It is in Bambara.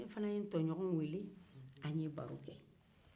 ne fana ye tɔɲɔgɔnw weele an ye baro kɛ